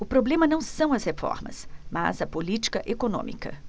o problema não são as reformas mas a política econômica